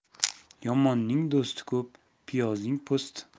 yomonning do'sti ko'p piyozning po'sti